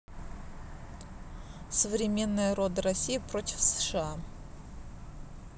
современная рода россии против сша